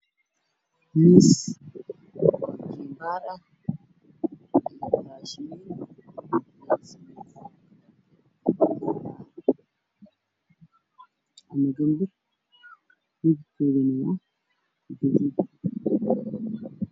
Miis cadaan ah korkiisu waxa saaran cunto fara badan moss saxan ku jiro iyo canjeer ku jirto sahan